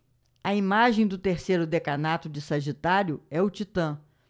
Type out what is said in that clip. a imagem do terceiro decanato de sagitário é o titã